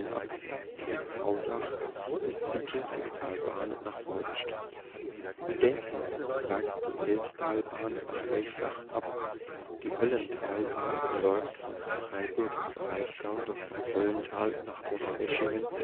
Abzweig in Hausach ist die Kinzigtalbahn nach Freudenstadt. In Denzlingen zweigt die Elztalbahn nach Elzach ab, die Höllentalbahn verläuft von Freiburg im Breisgau durch das Höllental nach Donaueschingen